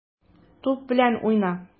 Туп белән уйна.